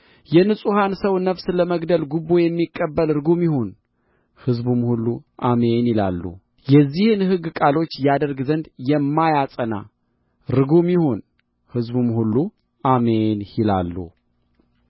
የንጹሑን ሰው ነፍስ ለመግደል ጉቦ የሚቀበል ርጉም ይሁን ሕዝቡም ሁሉ አሜን ይላሉ የዚህን ሕግ ቃሎች ያደርግ ዘንድ የማያጸና ርጉም ይሁን ሕዝቡም ሁሉ አሜን ይላሉ